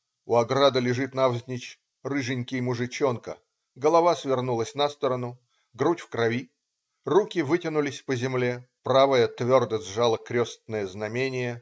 У ограды лежит навзничь рыженький мужичонка - голова свернулась на сторону, грудь в крови, руки вытянулись по земле, правая твердо сжала крестное знамение.